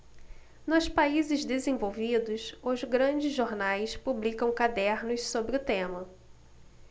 nos países desenvolvidos os grandes jornais publicam cadernos sobre o tema